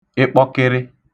ịkpọkịrị